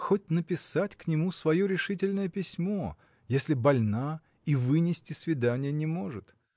хоть написать к нему свое решительное письмо, если больна и вынести свидания не может.